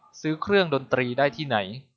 ซื้อเครื่องดนตรีได้ที่ไหน